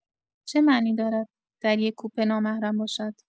چه معنی دارد در یک کوپه نامحرم باشد!